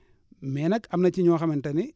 mais nag am na ci ñoo xamante ne